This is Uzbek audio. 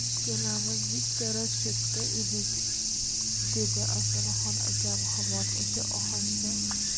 ikkalamiz bitta raschyotda edik dedi afzalxon akam hamon o'sha ohangda